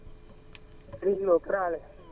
Serigne Lo kër Allé